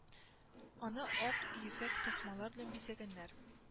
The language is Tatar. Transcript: Аны ак ефәк тасмалар белән бизәгәннәр